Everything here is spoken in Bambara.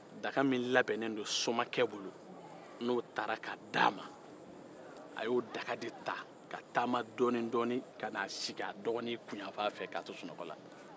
daga min labɛnnen don somakɛ fɛ n'o tara ka di a ma a y'o daga ta ka taama dɔɔni dɔɔni ka n'o bila dogɔnin kunyanfan fɛ